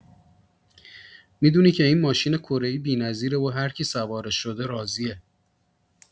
می‌دونی که این ماشین کره‌ای بی‌نظیره و هرکی سوارش شده راضیه!